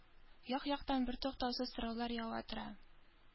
Як-яктан бертуктаусыз сораулар ява тора.